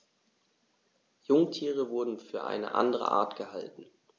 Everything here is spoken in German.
Jungtiere wurden für eine andere Art gehalten.